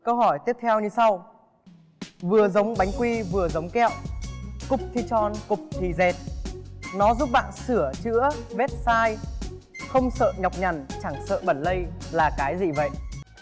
câu hỏi tiếp theo như sau vừa giống bánh quy vừa giống kẹo cục thì tròn cục thì dệt nó giúp bạn sửa chữa vết sai không sợ nhọc nhằn chẳng sợ bẩn lây là cái gì vậy